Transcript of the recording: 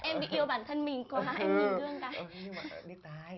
dạ em bị yêu bản thân mình quá em nhìn gương cái ừ nhưng mà điếc tai